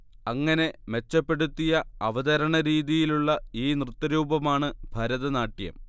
അങ്ങനെ മെച്ചപ്പെടുത്തിയ അവതരണരീതിയിലുള്ള ഈ നൃത്തരൂപമാണ് ഭരതനാട്യം